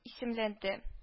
Семләнде. у